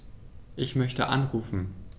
Ich möchte anrufen.